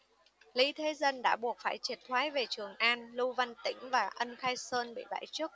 lý thế dân đã buộc phải triệt thoái về trường an lưu văn tĩnh và ân khai sơn bị bãi chức